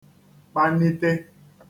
kpani(te)